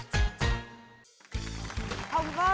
hồng vân